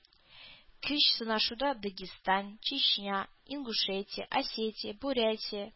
Көч сынашуда Дагестан, Чечня, Ингушетия, Осетия, Бурятия,